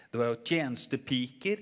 det var jo tjenestepiker.